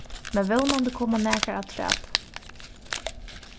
men vónandi koma nakrar afturat